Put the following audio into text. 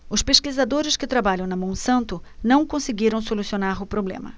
os pesquisadores que trabalham na monsanto não conseguiram solucionar o problema